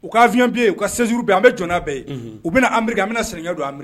U ka avion billet ,u ka séjour bɛɛ, an bɛ jɔ n'a bɛɛ ye; unhun; u bɛna Amérique an bɛna sɛnɛ don